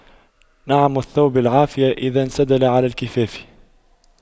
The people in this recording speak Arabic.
نعم الثوب العافية إذا انسدل على الكفاف